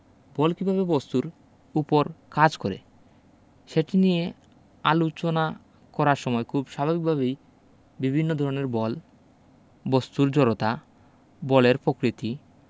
বল কীভাবে বস্তুর উপর কাজ করে সেটি নিয়ে আলুচনা করার সময় খুব স্বাভাবিকভাবেই বিভিন্ন ধরনের বল বস্তুর জড়তা বলের পকৃতি